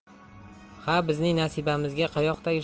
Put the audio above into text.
ha bizning nasibamizga qayoqdagi shoirlarni